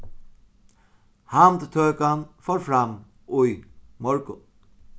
handtøkan fór fram í morgun